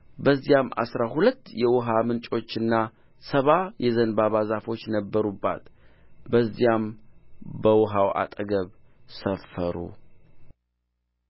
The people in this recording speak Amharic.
በዚያም አሥራ ሁለት የውኃ ምንጮችና ሰባ የዘንባባ ዛፎች ነበሩባት በዚያም በውኃው አጠገብ ሰፈሩ